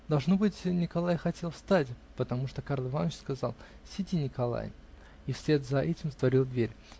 Должно быть, Николай хотел встать, потому что Карл Иваныч сказал: "Сиди, Николай!" -- и вслед за этим затворил дверь.